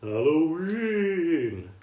Halloween